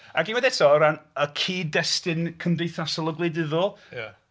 Ac unwaith eto, o ran y cyd-destun cymdeithasol a gwleidyddol... Ie...